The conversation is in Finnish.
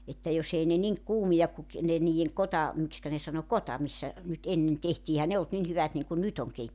että jos ei ne niin kuumia kuin - ne niiden - miksikä ne sanoi kota missä nyt ennen tehtiin eihän ne ollut niin hyvät niin kuin nyt on -